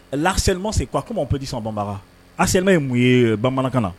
Euh l'harcèlement c'est quoi comment on peut dire ça en Bambara harcèlement ye mun yee euh Bamanankan na